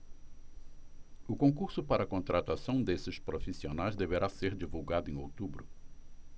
o concurso para contratação desses profissionais deverá ser divulgado em outubro